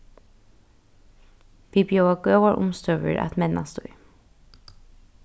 vit bjóða góðar umstøður at mennast í